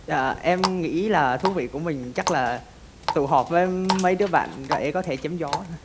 dạ em nghĩ là thú vị của mình chắc là tụ họp với mấy đứa bạn để có thể chém gió thôi